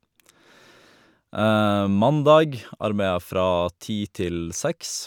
Mandag arbeida jeg fra ti til seks.